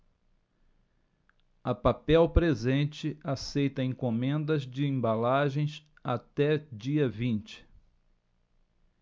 a papel presente aceita encomendas de embalagens até dia vinte